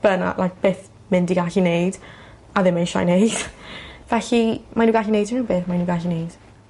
bynna- like byth mynd i gallu neud a ddim eisiau neud felly mae n'w gallu neud unrywbeth mae n'w gallu neud.